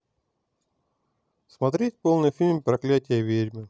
смотреть полный фильм проклятие ведьмы